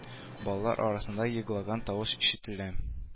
Балалар арасында еглаган тавыш ишетелә